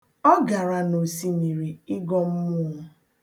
Ọ gara n'osimiri ịgọ mmụọ.